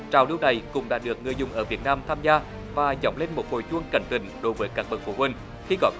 trào lưu này cũng đạt được người dùng ở việt nam tham gia và dóng lên một hồi chuông cảnh tỉnh đối với các bậc phụ huynh khi có